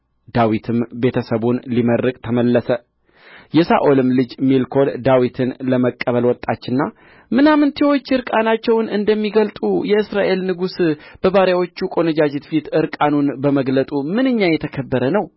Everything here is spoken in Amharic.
ዳዊትም ቤተ ሰቡን ሊመርቅ ተመለሰ የሳኦልም ልጅ ሜልኮል ዳዊትን ለመቀበል ወጣችና ምናምንቴዎች እርቃናቸውን እንደሚገልጡ የእስራኤል ንጉሥ በባሪያዎቹ ቈነጃጅት ፊት እርቃኑን በመግለጡ ምንኛ የተከበረ ነው